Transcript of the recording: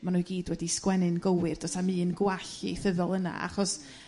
ma' nhw i gyd wedi sgwennu'n gywir do's na'm un gwall ieithyddol yna achos